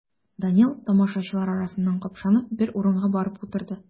Данил, тамашачылар арасыннан капшанып, бер урынга барып утырды.